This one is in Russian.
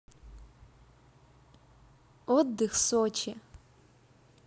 отдых сочи